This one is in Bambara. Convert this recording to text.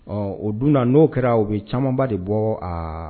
Ɔ o dun n'o kɛra u bɛ caaman ba de bɔ aa